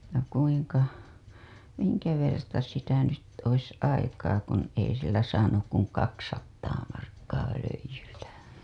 ja kuinka minkä verta sitä nyt olisi aikaa kun ei sillä saanut kuin kaksisataa markkaa röijyltä